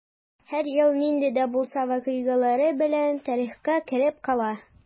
Һәр ел нинди дә булса вакыйгалары белән тарихка кереп кала.